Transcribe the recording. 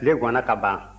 tile gwanna kaban